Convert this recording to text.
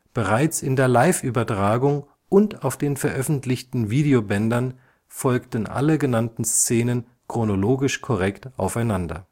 Bereits in der Liveübertragung und auf den veröffentlichten Videobändern folgten alle genannten Szenen chronologisch korrekt aufeinander